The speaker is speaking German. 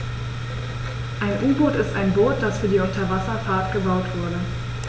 Ein U-Boot ist ein Boot, das für die Unterwasserfahrt gebaut wurde.